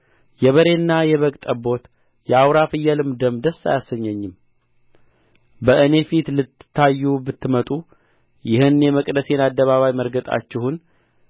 የበሬና የበግ ጠቦት የአውራ ፍየልም ደም ደስ አያሰኘኝም በእኔ ፊት ልትታዩ ብትመጡ ይህን የመቅደሴን አደባባይ መርገጣችሁን